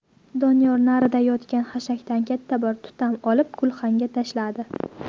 doniyor narida yotgan xashakdan katta bir tutam olib gulxanga tashladi